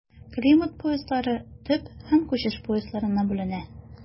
Климат пояслары төп һәм күчеш поясларына бүленә.